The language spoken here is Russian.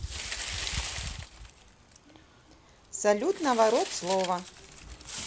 салют наворот слово